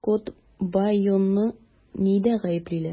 Актер Скотт Байоны нидә гаеплиләр?